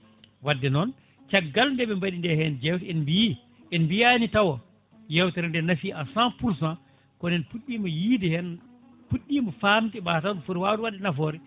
wadde noon caggal ndeɓe mbaɗi nde hen jewte en mbiyi en mbiyani taw yewtere nde nafi à cent pour cent kono en puɗɗima yiide hen puɗɗima famde mataw ne foti wawde wadde nafoore